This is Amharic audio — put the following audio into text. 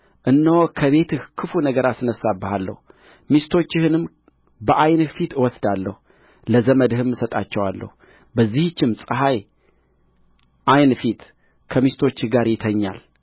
እነሆ ከቤትህ ክፉ ነገር አስነሣብሃለሁ ሚስቶችህንም በዓይንህ ፊት እወስዳለሁ ለዘመድህም እሰጣቸዋለሁ በዚህችም ፀሐይ ዓይን ፊት ከሚስቶችህ ጋር ይተኛል